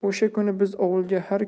o'sha kuni biz ovulga